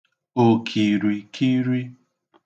òkìrìkiri